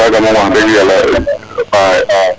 kaga moom wax deg yala faxe